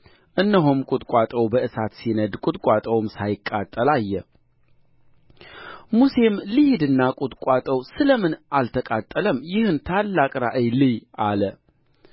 እነሆም ቍጥቋጦው በእሳት ሲነድድ ቍጥቋጦውም ሳይቃጠል አየ ሙሴም ልሂድና ቍጥቋጦው ስለ ምን አልተቃጠለም ይህን ታላቅ ራእይ ልይ አለ